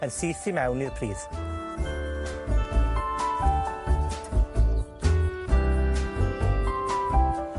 yn syth i mewn i'r pridd.